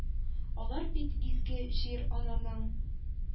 Алар бит изге җир-ананың